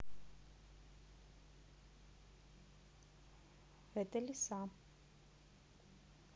это лиса